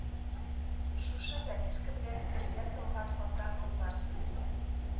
Шушы записка белән бергә салган хаттан аңларсыз